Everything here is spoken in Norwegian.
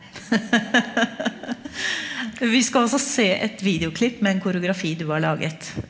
vi skal altså se et videoklipp med en koreografi du har laget.